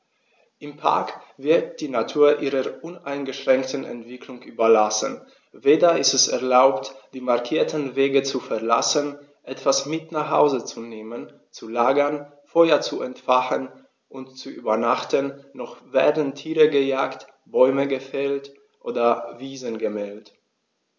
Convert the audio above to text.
Im Park wird die Natur ihrer uneingeschränkten Entwicklung überlassen; weder ist es erlaubt, die markierten Wege zu verlassen, etwas mit nach Hause zu nehmen, zu lagern, Feuer zu entfachen und zu übernachten, noch werden Tiere gejagt, Bäume gefällt oder Wiesen gemäht.